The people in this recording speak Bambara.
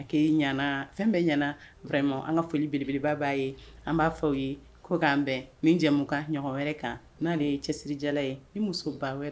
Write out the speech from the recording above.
Ok; i ɲanna, fɛn bɛɛ ɲɛna, an ka foli belebeleba b'i ye ,an b'a fɔ aw ye ko k'an bɛn ni jɛmukan ɲɔgɔn wɛrɛ kan n' allah ye cɛsirijala ye ni musoba wɛrɛ